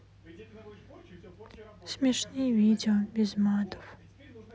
смешные видео без матов